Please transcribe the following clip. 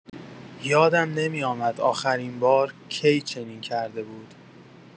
یادم نمی‌آمد آخرین‌بار کی چنین کرده بود.